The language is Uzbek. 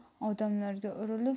odamlarga urilib